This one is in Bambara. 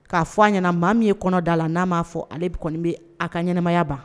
K'a fɔ a ɲɛna maa min ye kɔnɔ dala la n'a m'a fɔ ale kɔni bɛ a ka ɲɛnɛmaya ban